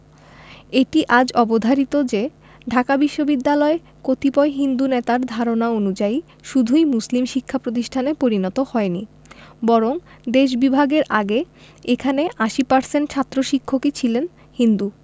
এটিআজ অবধারিত যে ঢাকা বিশ্ববিদ্যালয় কতিপয় হিন্দু নেতার ধারণা অনুযায়ী শুধুই মুসলিম শিক্ষা প্রতিষ্ঠানে পরিণত হয় নি বরং দেশ বিভাগের আগে এখানে ৮০% ছাত্র শিক্ষকই ছিলেন হিন্দু